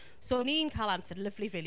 So, o'n i'n cael amser lyfli, rili.